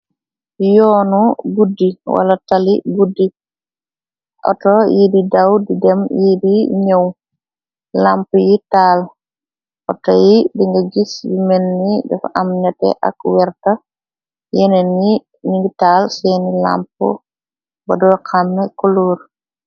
Yoonu guddi, wala tali guddi, auto yi di daw di dem, yi di ñëw, lamp yi taal, auto yi di nga gis yi menni dafa am nate ak werta, yenen ni ningi taal seeni lamp ba do xann kuluur.